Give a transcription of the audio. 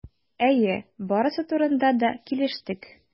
Әйе, барысы турында да килештек.